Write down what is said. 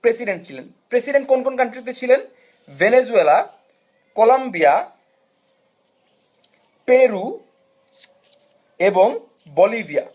president ছিলেন president কোন কোন কান্ট্রিতে ছিলেন ভেনিজুয়েলা কলম্বিয়া পেরু এবং বলিভিয়া